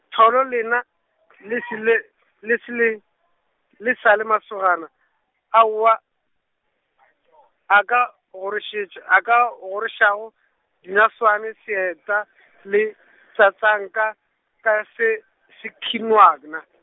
Tholo lena, le se le, le se le, le sa le masogana, aowa , a ka gorošetša, a ka gorošago dinaswana seeta le tsatsanka, ka se, sekhwinana.